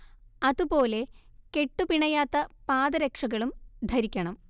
അതു പോലെ കെട്ടു പിണയാത്ത പാദരക്ഷകളും ധരിക്കണം